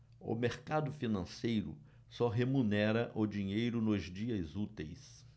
o mercado financeiro só remunera o dinheiro nos dias úteis